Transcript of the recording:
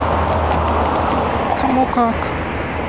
кому как